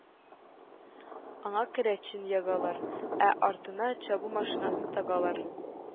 Аңа керәчин ягалар, ә артына чабу машинасы тагалар